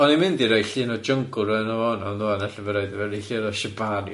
O'n i'n mynd i roi llun o jungle rowndo fo yno yndw ond ella bo' raid i fi roi llun o shibani.